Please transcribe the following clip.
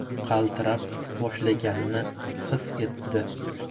qaltiray boshlaganini his etdi